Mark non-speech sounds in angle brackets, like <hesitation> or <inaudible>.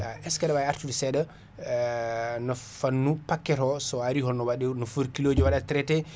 <hesitation> est ce que aɗa wawi artude seɗa <hesitation> no fannu paquet o so ari holno waɗi holno footi kilodji o waɗata traité <breath>